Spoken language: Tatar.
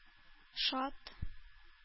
Шат